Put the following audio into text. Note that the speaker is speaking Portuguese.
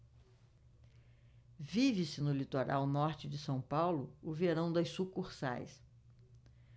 vive-se no litoral norte de são paulo o verão das sucursais